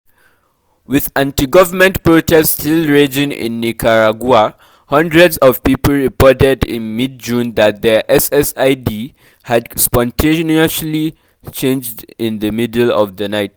With anti-government protests still raging in Nicaragua, hundreds of people reported in mid-June that their SSID (their Wi-Fi network names) had spontaneously changed in the middle of the night.